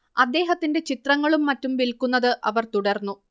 അദ്ദേഹത്തിന്റെ ചിത്രങ്ങളും മറ്റും വിൽക്കുന്നത് അവർ തുടർന്നു